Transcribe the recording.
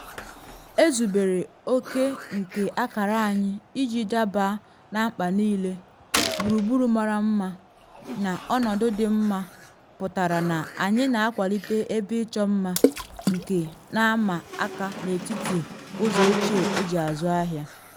Ezubere oke nke akara anyị iji dabaa na mkpa niile, gburugburu mara mma na ọnọdụ dị mma pụtara na anyị na akwalite ebe ịchọ mma nke na ama aka n’etiti ụzọ ochie eji azụ ahịa.